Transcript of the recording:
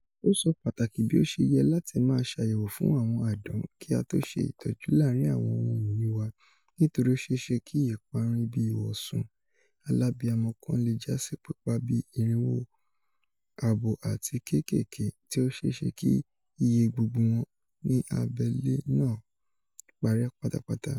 Ó sọ pàtàkì bí ó ṣe yẹ láti máa ṣàyẹ̀wò fún àwọn àdán kí a tó ṣe ìtọ́jú láarin àwọn ohun ìní wa nítorí ó ṣeéṣe kí ìparun ibi ìwọ̀sùn alábiamọ kan le jásí pípa bí 400 abo àti kékèké, tí ó ṣeéṣe kí iye gbogbo wọn ní abẹ́lé náà parẹ́ pátápátá.